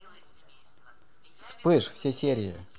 вспыш все серии